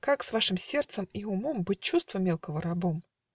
Как с вашим сердцем и умом Быть чувства мелкого рабом?